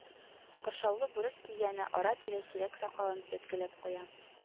Кыршаулы бүрек кигәне ара-тирә сирәк сакалын төзәткәләп куя: